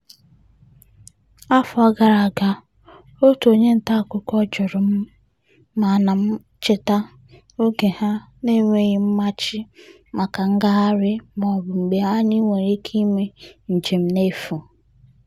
Afọ gara aga, otu onye ntaakụkọ jụrụ m ma ana m echeta oge ha n'enweghị mmachi maka ngagharị maọbụ mgbe anyị nwere ike ime njem n'efu.